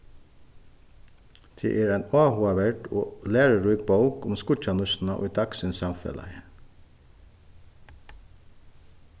tað er ein áhugaverd og lærurík bók um skíggjanýtsluna í dagsins samfelagi